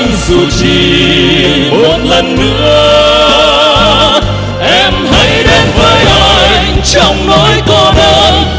dù chỉ một lần nữa em hãy đến với anh trong nỗi cô đơn